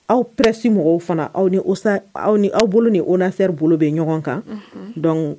Aw psi mɔgɔw fana aw ni aw ni aw bolo ni o nasri bolo bɛ ɲɔgɔn kan dɔn